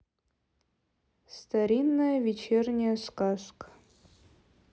старинная вечерняя сказка